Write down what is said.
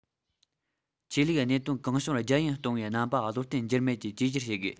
ཆོས ལུགས གནད དོན གང བྱུང རྒྱ ཡན གཏོང བའི རྣམ པ བློ བརྟན འགྱུར མེད ཀྱིས བཅོས སྒྱུར བྱེད དགོས